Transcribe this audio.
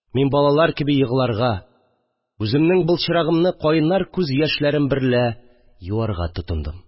Мин балалар кеби егларга, үземнең былчырагымны кайнар күз яшләрем берлә юарга тотындым